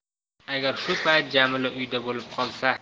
agar shu payt jamila uyda bo'lib qolsa